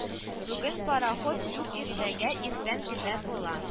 Бүген пароход юк иртәгә иртән генә була